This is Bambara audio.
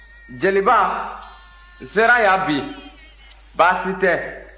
jeliba n sera yan bi baasi tɛ